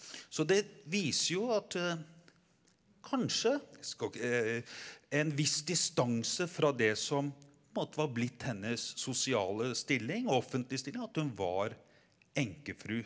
så det viser jo at kanskje skal ikke en viss distanse fra det som på en måte var blitt hennes sosiale stilling og offentlige stilling at hun var enkefru.